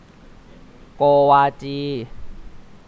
โกวาจี